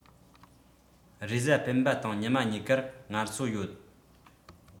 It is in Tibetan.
རེས གཟའ སྤེན པ དང ཉི མ གཉིས ཀར ངལ གསོ ཡོད